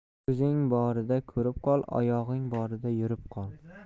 ko'zing borida ko'rib qol oyog'ing borida yurib qol